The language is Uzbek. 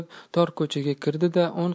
tor ko'chaga kirdida